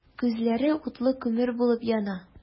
Күзләре утлы күмер булып яна.